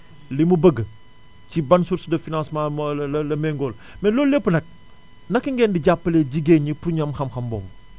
li mu bëgg ci ban source de financement moo la la la mmutuelle :fragool mais loolu lépp nag naka ngeen di jàppalee jigéen ñi pour ñu am xam-xam boobu